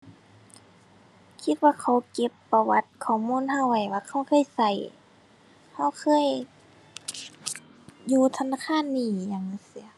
คิดว่าเขาเก็บประวัติข้อมูลเราไว้ว่าเราเคยเรา เราเคย อยู่ธนาคารนี้ อิหยังจั่งซี้